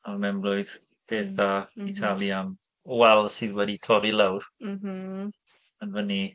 Am fy mhen-blwydd. Peth da... Mm m-hm. ...I talu am wal sydd wedi torri lawr... M-hm ...yn fy nhŷ.